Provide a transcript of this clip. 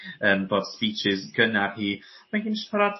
yym bod speeches gynnar hi mae' hi'n siarad